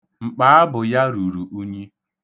Mkpaabụ ya ruru unyi.